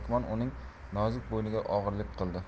uning nozik bo'yniga og'irlik qildi